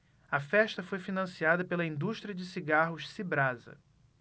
a festa foi financiada pela indústria de cigarros cibrasa